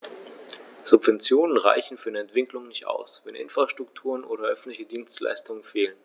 Subventionen reichen für eine Entwicklung nicht aus, wenn Infrastrukturen oder öffentliche Dienstleistungen fehlen.